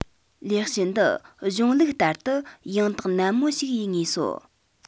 ལེགས བཤད འདི གཞུང ལུགས ལྟར དུ ཡང དག ནན མོ ཞིག ཡིན ངེས སོ